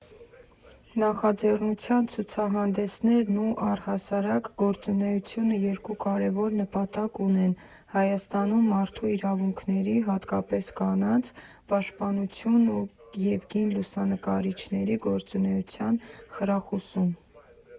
Նախաձեռնության ցուցահանդեսներն ու, առհասարակ, գործունեությունը երկու կարևոր նպատակ ունեն՝ Հայաստանում մարդու իրավունքների, հատկապես՝ կանանց, պաշտպանություն և կին լուսանկարիչների գործունեության խրախուսում։